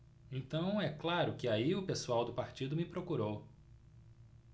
então é claro que aí o pessoal do partido me procurou